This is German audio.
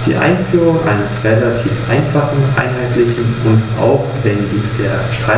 Es geht uns erstens um eine ordnungsgemäße Verwendung der Mittel aus den Struktur-